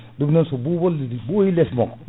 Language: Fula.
ɗum noon so ɓuuɓol ɓooyi less makko